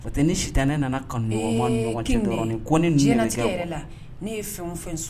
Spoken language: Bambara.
Tɛ ni si tɛ ne nana